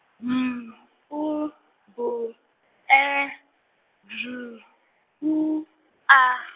M U B E D U A.